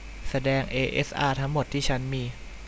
แสดงเอเอสอาทั้งหมดที่ฉันมี